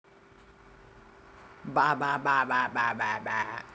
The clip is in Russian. бабабабаба